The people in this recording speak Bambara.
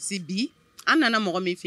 Sibi an nana mɔgɔ min fe